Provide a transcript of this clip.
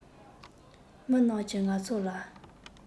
མི རྣམས ཀྱིས ང ཚོ ལ